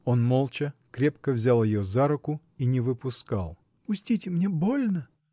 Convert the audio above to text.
Он молча, крепко взял ее за руку и не выпускал. — Пустите, мне больно!